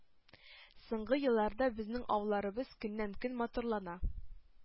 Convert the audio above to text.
Соңгы елларда безнең авылларыбыз көннән-көн матурлана,